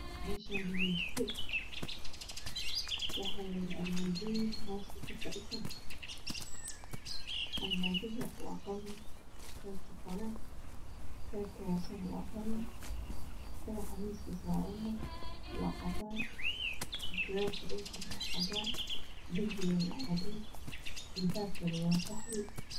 Meashani waa jiko waxaa yala armajooyin kor iyo hos ka dhisan waa qalin dhagaxa na waa cadan dhulkana waa cadan derbigana waa cadees